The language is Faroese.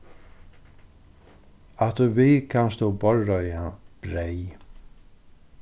afturvið kanst tú borðreiða breyð